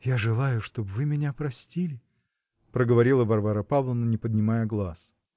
-- Я желаю, чтобы вы меня простили, -- проговорила Варвара Павловна, не поднимая глаз.